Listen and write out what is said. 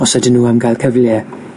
os ydyn nhw am gael cyfle